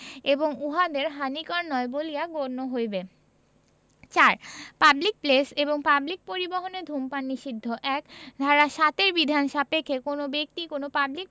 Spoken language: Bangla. এবংউহাদের হানিকর নয় বলিয়া গণ্য হইবে ৪ পাবলিক প্লেস এবং পাবলিক পরিবহণে ধূমপান নিষিদ্ধঃ ১ ধারা ৭ এর বিধান সাপেক্ষে কোন ব্যক্তি কোন পাবলিক